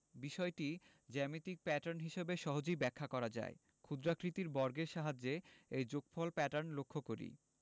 বিষয়টি জ্যামিতিক প্যাটার্ন হিসেবে সহজেই ব্যাখ্যা করা যায় ক্ষুদ্রাকৃতির বর্গের সাহায্যে এই যোগফল প্যাটার্ন লক্ষ করি